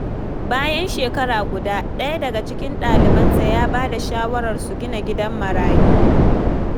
Bayan shekara guda, ɗaya daga cikin ɗalibansa ya ba da shawarar su gina gidan marayu.